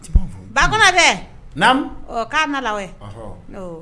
Ba bɛ k'an na la